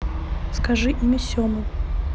скажи имя сема